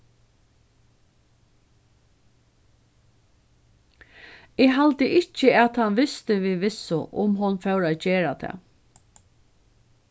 eg haldi ikki at hann visti við vissu um hon fór at gera tað